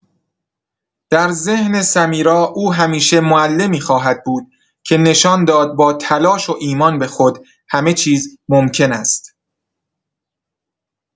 در ذهن سمیرا او همیشه معلمی خواهد بود که نشان داد با تلاش و ایمان به خود، همه چیز ممکن است.